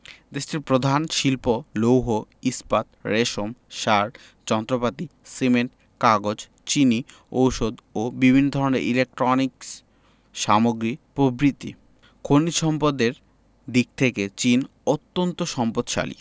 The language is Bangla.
দেশটির প্রধান শিল্প লৌহ ইস্পাত রেশম সার যন্ত্রপাতি সিমেন্ট কাগজ চিনি ঔষধ ও বিভিন্ন ধরনের ইলেকট্রনিক্স সামগ্রী প্রভ্রিতি খনিজ সম্পদের দিক থেকেও চীন অত্যান্ত সম্পদশালী